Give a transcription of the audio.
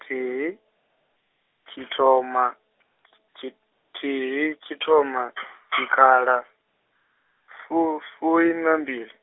thihi, tshithoma, tsh- thihi tshithoma tshikhala, fu- fuiṋambili.